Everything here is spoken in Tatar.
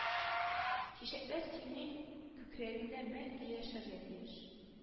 Чәчәкләр синең күкрәгеңдә мәңге яшәргә тиеш